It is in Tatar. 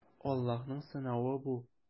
Аллаһның сынавы бу.